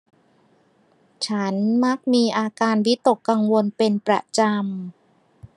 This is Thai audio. ฉันมักมีอาการวิตกกังวลเป็นประจำ